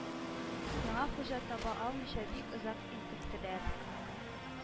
Яңа хуҗа таба алмыйча бик озак интектеләр.